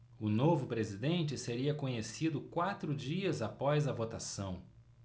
o novo presidente seria conhecido quatro dias após a votação